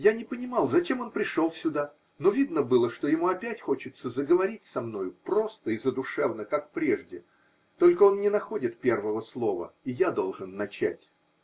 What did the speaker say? Я не понимал, зачем он пришел сюда, но видно было, что ему опять хочется заговорить со мною просто и задушевно, как прежде, только он не находит первого слова, и я должен начать.